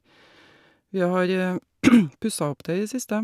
Vi har pussa opp det i det siste.